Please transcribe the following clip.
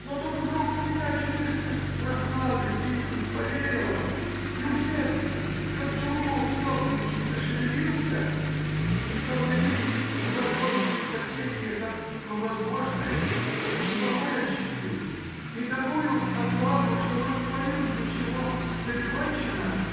но тут вдруг на меня чудной прохладой тихой повеяло, и у сердца как голубок тепленький зашевелился, и стал я верить в невозможность спасения как в возможное, и покой ощутил и такую отвагу, что вот не боюсь ничего, да и кончено!